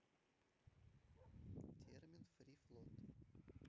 термин фрифлот